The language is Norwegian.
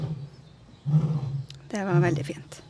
Det var veldig fint.